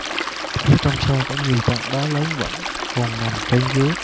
phía trong xe nhiều tảng đá lớn vẫn còn nằm trên ghế